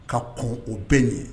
Ka kun o bɛɛ ye